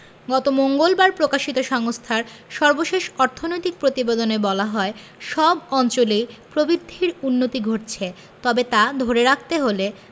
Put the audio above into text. গত মঙ্গলবার প্রকাশিত সংস্থার সর্বশেষ অর্থনৈতিক প্রতিবেদনে বলা হয় সব অঞ্চলেই প্রবৃদ্ধির উন্নতি ঘটছে তবে তা ধরে রাখতে হলে